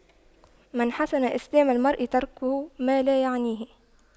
من حسن إسلام المرء تَرْكُهُ ما لا يعنيه